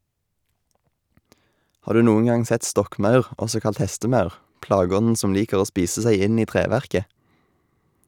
Har du noen gang sett stokkmaur, også kalt hestemaur, plageånden som liker å spise seg inn i treverket?